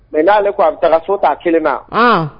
Mɛ n'ale ko a bɛ taa so t'a kelen na